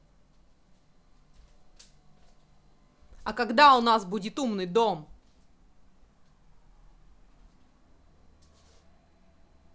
а когда у нас будет умный дом